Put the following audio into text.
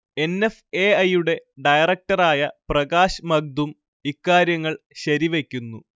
N. F. A. I. യുടെ ഡയറക്ടറായ പ്രകാശ് മഗ്ദും ഇക്കാര്യങ്ങൾ ശരിവയ്ക്കുന്നു